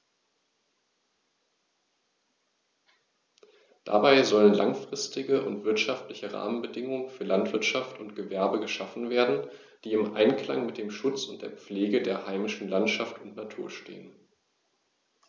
Dabei sollen langfristige und wirtschaftliche Rahmenbedingungen für Landwirtschaft und Gewerbe geschaffen werden, die im Einklang mit dem Schutz und der Pflege der heimischen Landschaft und Natur stehen.